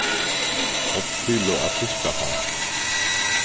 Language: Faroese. hálvt kilo av fiskafarsi